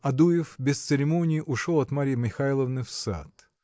Адуев без церемонии ушел от Марьи Михайловны в сад.